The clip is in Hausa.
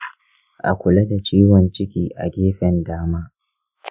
a kula da ciwon ciki a gefen dama.